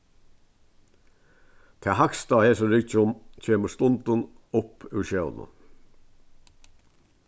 tað hægsta á hesum ryggjum kemur stundum upp úr sjónum